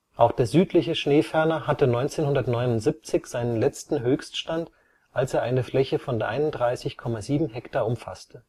Auch der Südliche Schneeferner hatte 1979 seinen letzten Hochstand, als er eine Fläche von 31,7 ha umfasste